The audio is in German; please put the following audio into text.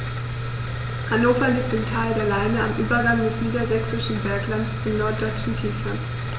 Hannover liegt im Tal der Leine am Übergang des Niedersächsischen Berglands zum Norddeutschen Tiefland.